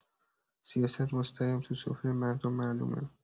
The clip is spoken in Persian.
سیاست مستقیم تو سفره مردم معلومه.